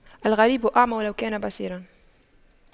الغريب أعمى ولو كان بصيراً